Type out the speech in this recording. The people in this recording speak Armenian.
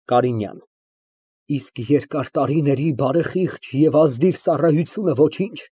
ԿԱՐԻՆՅԱՆ ֊ Իսկ երկար տարիների բարեխիղճ և ազնիվ ծառայությունը ոչի՞նչ։